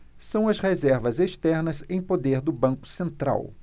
são as reservas externas em poder do banco central